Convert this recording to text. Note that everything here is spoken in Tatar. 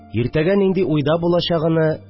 Иртәгә нинди уйда булачагыны